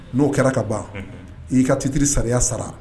N'o kɛra ka ban i ka titiriri sariya sara